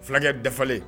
Fulakɛ dafalen